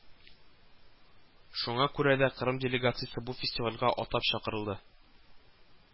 Шуңа күрә дә кырым делегациясе бу фестивальгә атап чакырылды